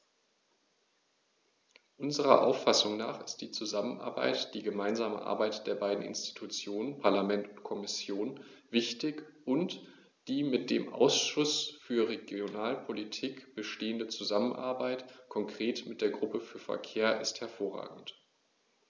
Unserer Auffassung nach ist die Zusammenarbeit, die gemeinsame Arbeit der beiden Institutionen - Parlament und Kommission - wichtig, und die mit dem Ausschuss für Regionalpolitik bestehende Zusammenarbeit, konkret mit der Gruppe für Verkehr, ist hervorragend.